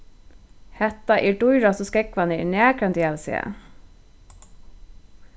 hatta eru dýrastu skógvarnir eg nakrantíð havi sæð